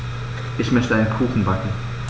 Ich möchte einen Kuchen backen.